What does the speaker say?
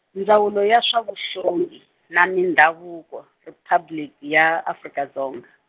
Ndzawulo ya swa Vuxongi, na Mindhavuko, Riphabliki ya Afrika Dzonga.